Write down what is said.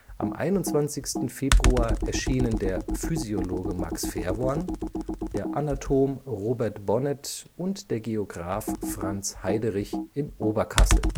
Am 21. Februar erschienen der Physiologe Max Verworn, der Anatom Robert Bonnet und der Geograph Franz Heiderich in Oberkassel